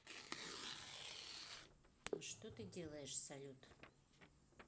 что ты делаешь салют